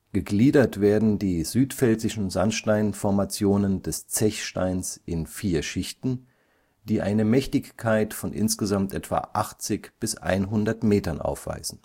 Gegliedert werden die südpfälzischen Sandsteinformationen des Zechsteins in vier Schichten, die eine Mächtigkeit von insgesamt etwa 80 bis 100 Metern aufweisen